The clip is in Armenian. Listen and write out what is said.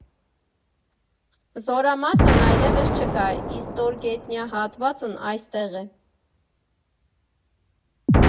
Զորամասն այլևս չկա, իսկ ստորգետնյա հատվածն այստեղ է։